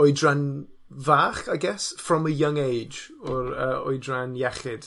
oedran fach I guess from a young age o'r yy oedran iechyd.